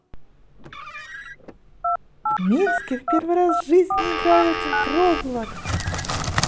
minski в первый раз в жизни играют в roblox